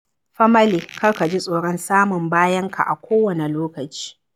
Famalay kar ka ji tsoron samun bayanka a kowane lokaci…